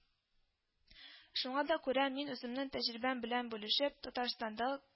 Шуңа да күрә мин үземнең тәҗрибәм белән бүлешеп, Татарстандагы